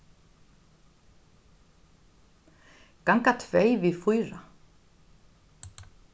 ganga tvey við fýra